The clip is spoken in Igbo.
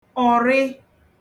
ụ̀rị